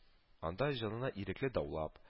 Анда җылына ирекле даулап